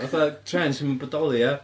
Fatha trên sy ddim yn bodoli, ia.